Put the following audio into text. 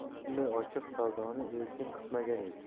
bunday ochiq savdoni elchin kutmagan edi